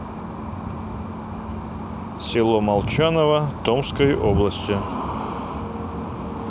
село молчаново томской области